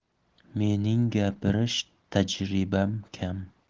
mening gapirish tajribam kam